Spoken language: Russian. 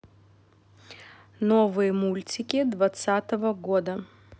новые мультики двадцатого года